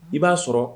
I b'a sɔrɔ